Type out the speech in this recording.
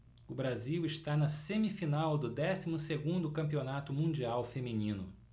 o brasil está na semifinal do décimo segundo campeonato mundial feminino